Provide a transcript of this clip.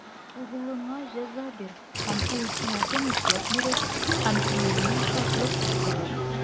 Углыңа җәза бир, һәм ул сиңа тынычлык бирер, һәм күңелеңә шатлык китерер.